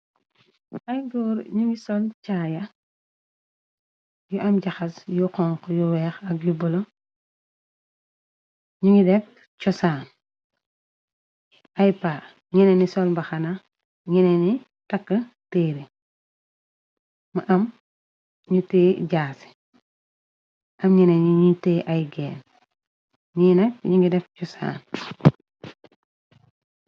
Ay góor ñu ngi sol caaya yu am jaxas yu xonk yu weex ak yu bolo ñu ngi dek cosaan ay pa nene ni sol baxana nene ni takk téere ma am ñu tee jaase am ñene ni te ay geen ñinak ñu ngi def cosaan.